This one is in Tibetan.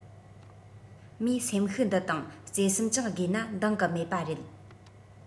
མོས སེམས ཤུགས འདི དང བརྩེ སེམས ཀྱང དགོས ན འདང གི མེད པ རེད